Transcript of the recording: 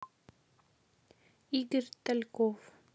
игорь тальков